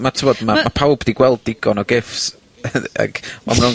ma' t'mod ma'... Ma' ...ma' pawb 'di gweld digon o giffs ag, o mae o'n...